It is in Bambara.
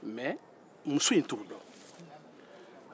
mɛ muso in t'o dɔn